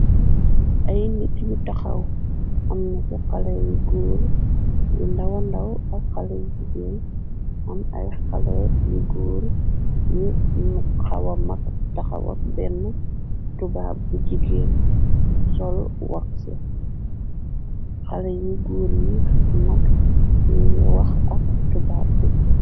Ayyy nit yu taxaw, amna ci xaleh yu gorre yu ndawa ndaw ak xaleh jigeen, am ayy xaleh yu gorre yu mak, yu xawah mag taxaw wak benu tubab bu jigeen, sol waxx, xaleh yu gorre yu mag njungi wax ak tubab bi.